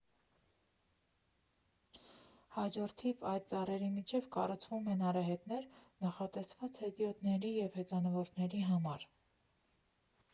Հաջորդիվ, այդ ծառերի միջև կառուցվում են արահետներ՝ նախատեսված հետիոտների և հեծանվորդների համար։